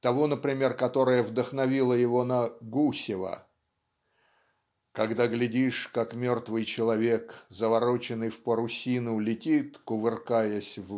того, например, которое вдохновило его на "Гусева". "Когда глядишь как мертвый человек завороченный в парусину летит кувыркаясь